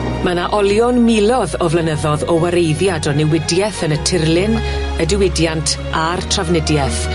Ma' na olion miloedd o flynyddodd o wareiddiad o newidieth yn y tirlun, y diwydiant, a'r trafnidieth.